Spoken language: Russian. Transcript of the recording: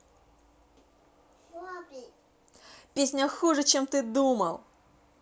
песня хуже чем ты думал